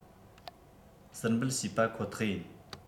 ཟུར འབུད བྱས པ ཁོ ཐག ཡིན